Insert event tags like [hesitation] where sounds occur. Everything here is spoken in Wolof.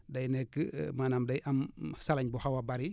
day nekk [hesitation] maanaam day am salañ bu xaw a bari